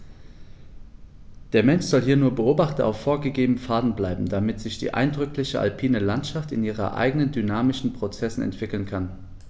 Der Mensch soll hier nur Beobachter auf vorgegebenen Pfaden bleiben, damit sich die eindrückliche alpine Landschaft in ihren eigenen dynamischen Prozessen entwickeln kann.